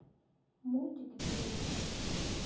мультики тролли